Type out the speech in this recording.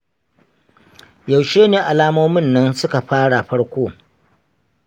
yaushe ne alamomin nan suka fara farko?